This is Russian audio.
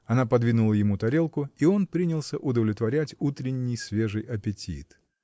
Она подвинула ему тарелку, и он принялся удовлетворять утренний, свежий аппетит.